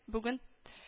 Бүген